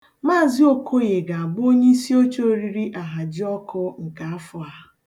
Maazị Okoye ga- abụ onyeisioche oriri ahajiọkụ nke afọ a.